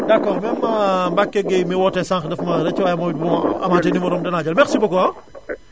d' accord même Mbacke Gueye mi woote sànq dafa ma rëcc waaye bu ma amaatee numéro dinaa jël merci beaucoup hã